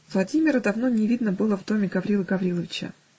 Владимира давно не видно было в доме Гаврилы Гавриловича.